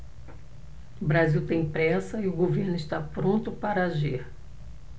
o brasil tem pressa e o governo está pronto para agir